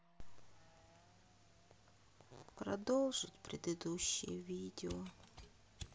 продолжить предыдущее видео